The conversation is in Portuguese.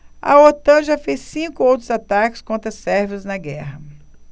a otan já fez cinco outros ataques contra sérvios na guerra